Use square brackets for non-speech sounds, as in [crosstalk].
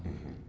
[hesitation] [hesitation]